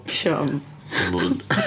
Siom .